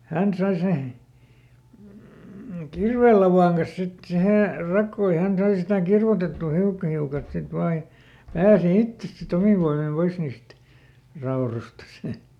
hän sai sen kirveenlavan kanssa sitten siihen rakoon ja hän sai sitä kirvoitettua hiukka hiukalta sitten vain ja pääsi itse sitten omin voimin pois niistä raudoistaan